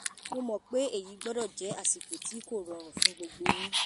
Mo mọ̀ pé èyí gbọ́dọ̀ jẹ́ àsìkò tí kò rọrùn fún gbogbo yín.